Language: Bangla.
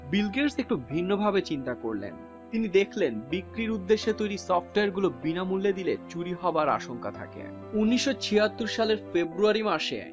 বিল গেটস একটু ভিন্নভাবে চিন্তা করলেন তিনি দেখলেন বিক্রির উদ্দেশ্যে তৈরি সফটওয়্যার গুলো বিনামূল্যে দিলে চুরি হওয়ার আশঙ্কা থাকে হাজার ১৯৭৬ সালের ফেব্রুয়ারি মাসে